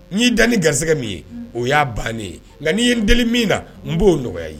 N'i'i da ni garisɛgɛ min ye o y'a bannen ye nka n'i ye n delieli min na n b'o nɔgɔya ye